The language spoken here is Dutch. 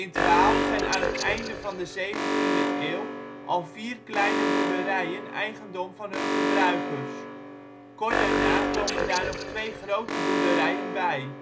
t Waal zijn aan het einde van de 17de eeuw al vier kleine boerderijen eigendom van hun gebruikers. Kort daarna komen daar nog twee grote boerderijen bij